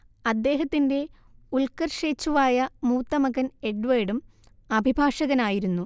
അദ്ദേഹത്തിന്റെ ഉൽക്കർഷേച്ഛുവായ മൂത്തമകൻ എഡ്വേർഡും അഭിഭാഷകനായിരുന്നു